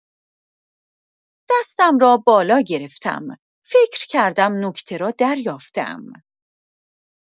دستم را بالا گرفتم، فکر کردم نکته را دریافته‌ام.